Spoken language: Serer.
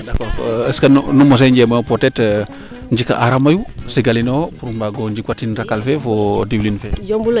d' accord est ce que nu mosee njemoyo peut etre njika ara mayu segalin oyo pour mbaago njiwa tin rakal fee fo diwliin fee